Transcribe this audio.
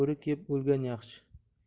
o'rik yeb o'lgan yaxshi